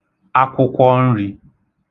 akwụkwọnrī